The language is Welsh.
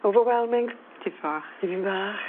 Overwhelming? Tip fach. Dipyn bach?